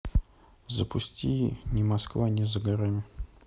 запусти не москва не за горами